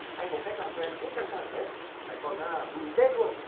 anh có cách làm cho em hết căng thẳng đấy lại còn vui như tết luôn